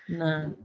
Na.